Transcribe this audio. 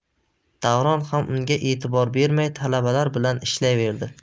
davron ham unga etibor bermay talabalar bilan ishlayverdi